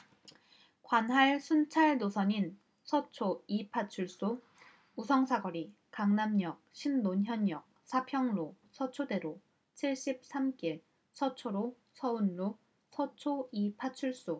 관할 순찰 노선인 서초 이 파출소 우성사거리 강남역 신논현역 사평로 서초대로 칠십 삼 길 서초로 서운로 서초 이 파출소